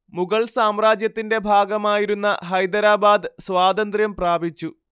മുഗള്‍ സാമ്രാജ്യത്തിന്റെ ഭാഗമായിരുന്ന ഹൈദരാബാദ് സ്വാതന്ത്ര്യം പ്രാപിച്ചു